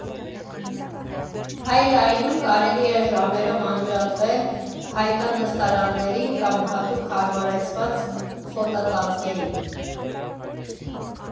Հայ Լայնում կարելի է ժամերով անջատվել փայտյա նստարաններին կամ հատուկ հարմարեցված խոտածածկերին։